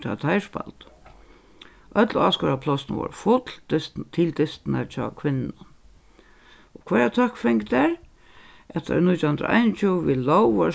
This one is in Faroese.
tá teir spældu øll áskoðaraplássini vóru full dystin til dystirnar hjá kvinnunum og hvørja tøkk fingu tær at tær í nítjan hundrað og einogtjúgu við lóg vórðu